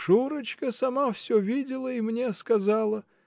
-- Шурочка сама все видела и мне сказала.